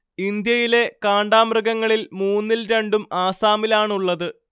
ഇന്ത്യയിലെ കാണ്ടാമൃഗങ്ങളിൽ മൂന്നിൽ രണ്ടും ആസാമിലാണുള്ളത്